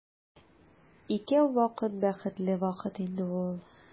Икәү вакыт бәхетле вакыт инде ул.